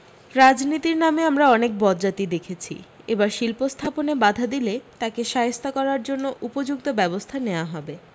রাজনীতির নামে আমরা অনেক বজ্জাতি দেখেছি এবার শিল্প স্থাপনে বাধা দিলে তাকে শায়েস্তা করার জন্য উপযুক্ত ব্যবস্থা নেওয়া হবে